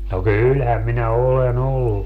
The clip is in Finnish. no kyllähän minä olen ollut